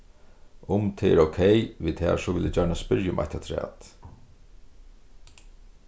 um tað er ókey við tær so vil eg gjarna spyrja um eitt afturat